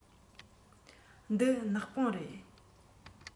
འདི ནག པང རེད